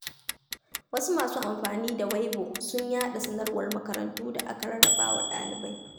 Wasu masu amfani da Weibo sun yaɗa sanarwar makarantu da aka rarrabawa ɗalibai.